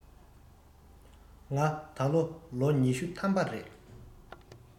ང ད ལོ ལོ ཉི ཤུ ཐམ པ རེད